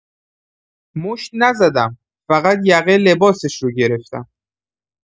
مشت نزدم، فقط یقه لباسش رو گرفتم.